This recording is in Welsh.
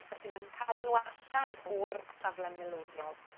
Felly mae'n cadw nw allan o'r safle milwrol.